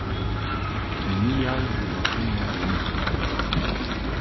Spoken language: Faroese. í miðal liva kvinnur longur enn menn